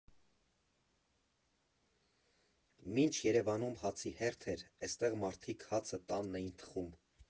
Մինչ Երևանում հացի հերթ էր, էստեղ մարդիկ հացը տանն էին թխում։